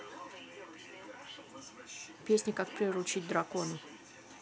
песня как приручить дракона